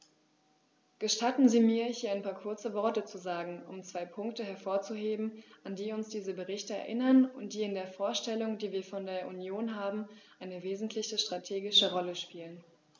Gestatten Sie mir, hier ein paar kurze Worte zu sagen, um zwei Punkte hervorzuheben, an die uns diese Berichte erinnern und die in der Vorstellung, die wir von der Union haben, eine wesentliche strategische Rolle spielen.